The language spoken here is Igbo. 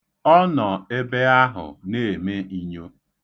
Ọ nọ ebe ahụ na-eme inyo.